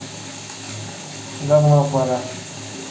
давно пора